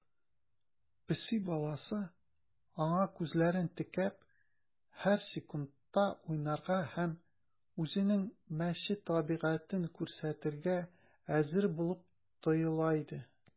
Песи баласы, аңа күзләрен текәп, һәр секундта уйнарга һәм үзенең мәче табигатен күрсәтергә әзер булып тоела иде.